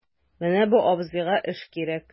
Менә бу абзыйга эш кирәк...